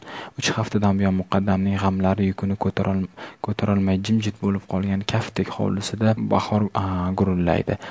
uch haftadan buyon muqaddamlarning g'amlari yukini ko'tarolmay jimjit bo'lib qolgan kaftdek hovlisida bahor gurullaydi